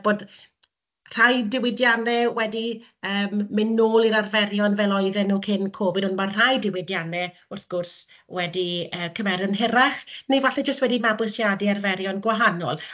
bod rhai diwydiannau wedi yym mynd nôl i'r arferion fel oedden nhw cyn Covid, ond ma' rhai diwydiannau, wrth gwrs, wedi yy cymeryd yn hirach neu efallai jyst wedi mabwsiadu arferion gwahanol.